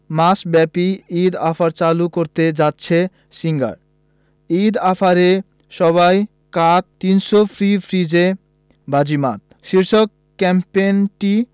মাসব্যাপী ঈদ অফার চালু করতে যাচ্ছে সিঙ্গার ঈদ অফারে সবাই কাত ৩০০ ফ্রি ফ্রিজে বাজিমাত শীর্ষক ক্যাম্পেইনটি